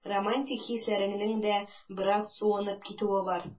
Романтик хисләреңнең дә бераз суынып китүе бар.